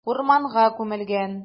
Урманга күмелгән.